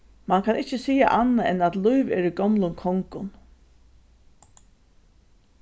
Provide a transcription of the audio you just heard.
mann kann ikki siga annað enn at lív er í gomlum kongum